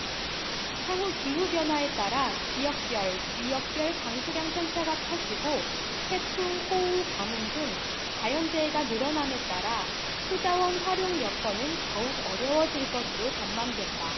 향후 기후변화에 따라 지역별 유역별 강수량 편차가 커지고 태풍 호우 가뭄 등 자연재해가 늘어남에 따라 수자원 활용 여건은 더욱 어려워질 것으로 전망된다